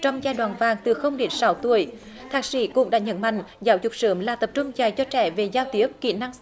trong giai đoạn vàng từ không đến sáu tuổi thạc sĩ cũng đã nhấn mạnh giáo dục sớm là tập trung dạy cho trẻ về giao tiếp kỹ năng xã